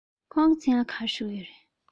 ཁོང གི མཚན ལ ག རེ ཞུ གི ཡོད རེད